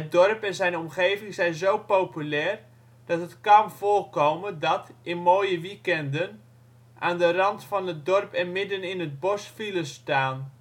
dorp en zijn omgeving zijn zo populair, dat het kan voorkomen, dat - in mooie weekeinden - aan de rand van het dorp en midden in het bos files staan